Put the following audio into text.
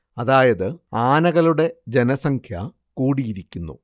അതായത് ആനകളുടെ ജനസംഖ്യ കൂടിയിരിക്കുന്നു